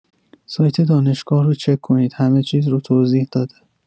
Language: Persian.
سایت دانشگاه رو چک کنید همه چیز رو توضیح داده